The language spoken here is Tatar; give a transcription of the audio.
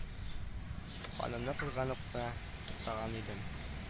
Ханымны кызганып кына туктаган идем